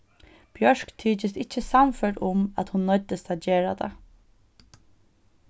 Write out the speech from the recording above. bjørk tykist ikki sannførd um at hon noyddist at gera tað